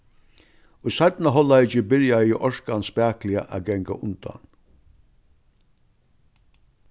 í seinna hálvleiki byrjaði orkan spakuliga at ganga undan